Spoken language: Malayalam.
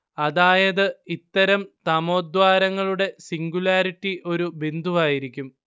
അതായത് ഇത്തരം തമോദ്വാരങ്ങളുടെ സിംഗുലാരിറ്റി ഒരു ബിന്ദുവായിരിക്കും